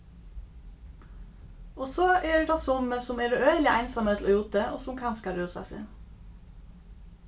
og so eru tað summi sum eru øgiliga einsamøll úti og sum kanska rúsa seg